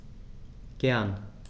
Gern.